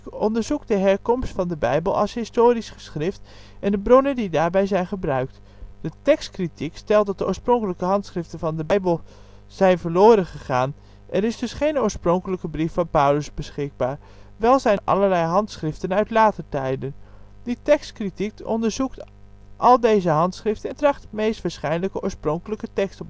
onderzoekt de herkomst van de bijbel als historisch geschrift en de bronnen die daarbij zijn gebruikt. De tekstkritiek stelt dat de oorspronkelijke handschriften van de bijbel zijn verloren gegaan. Er is dus geen oorspronkelijke brief van Paulus beschikbaar. Wel zijn er allerlei handschriften uit later tijden. De tekstkritiek onderzoekt al deze handschriften en tracht de meest waarschijnlijke oorspronkelijke tekst op